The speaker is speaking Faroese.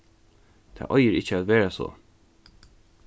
tað eigur ikki at vera so